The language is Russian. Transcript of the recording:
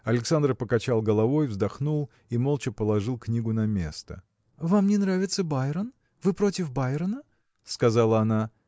Александр покачал головой, вздохнул и молча положил книгу на место. – Вам не нравится Байрон? Вы против Байрона? – сказала она.